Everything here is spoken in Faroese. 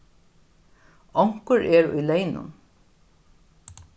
onkur er í leynum